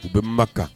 U bɛba kan